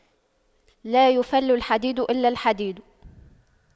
لا يَفُلُّ الحديد إلا الحديد